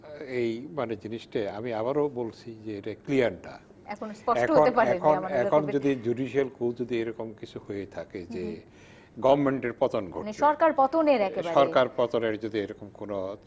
মানে জিনিসটা আমি আবারও বলছি যে এটা ক্লিয়ার না এখনো স্পষ্ট হতে পারেনি এখন যদি জুডিশিয়াল ক্যু যদি এরকম কিছু হয়ে থাকে যে গভর্নমেন্টের পতন ঘটবে মানে সরকার পতনের একেবারে সরকার পতনের এরকম কোন